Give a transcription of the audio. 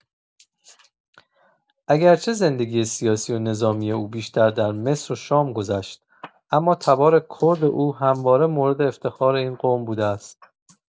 اگرچه زندگی سیاسی و نظامی او بیشتر در مصر و شام گذشت، اما تبار کرد او همواره مورد افتخار این قوم بوده است.